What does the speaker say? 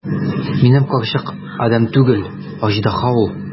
Минем карчык адәм түгел, аждаһа ул!